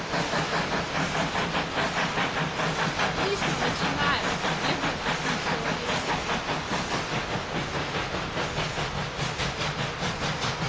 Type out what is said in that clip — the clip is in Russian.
отлично начинаем бегают такие человечки